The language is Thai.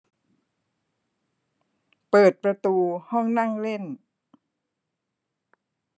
เปิดประตูห้องนั่งเล่น